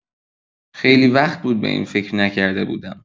خیلی وقت بود به این فکر نکرده بودم!